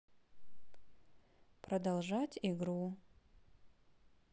продолжать игру